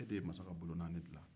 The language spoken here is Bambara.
e de ye masa ka bolonaani dila